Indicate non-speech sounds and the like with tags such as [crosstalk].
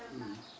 [hesitation] [hesitation]